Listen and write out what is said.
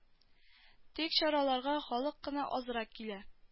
Тик чараларга халык кына азрак килә